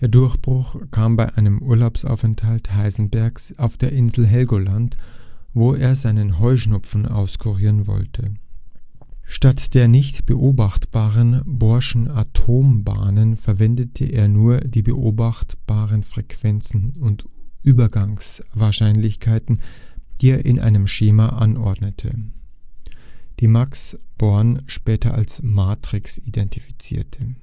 Durchbruch kam bei einem Urlaubsaufenthalt Heisenbergs auf der Insel Helgoland, wo er seinen Heuschnupfen auskurieren wollte. Statt der nicht beobachtbaren Bohrschen Atombahnen verwendete er nur die beobachtbaren Frequenzen und Übergangswahrscheinlichkeiten, die er in einem Schema anordnete, die Max Born später als Matrix identifizierte